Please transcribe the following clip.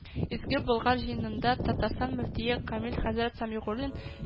Изге Болгар җыенында, Татарстан мөфтие Камил хәзрәт Сәмигуллин